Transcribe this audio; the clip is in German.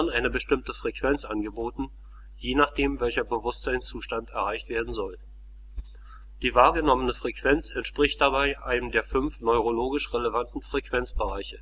eine bestimmte Frequenz angeboten, je nachdem welcher Bewusstseinszustand erreicht werden soll. Die wahrgenommene Frequenz entspricht dabei einem der fünf neurologisch relevanten Frequenzbereiche